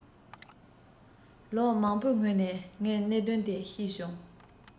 ལོ མང པོའི སྔོན ནས ངས གནད དོན དེ ཤེས བྱུང